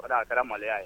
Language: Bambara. Ko a kɛra maloya ye